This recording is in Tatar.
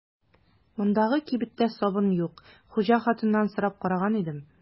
Мондагы кибеттә сабын юк, хуҗа хатыннан сорап караган идем.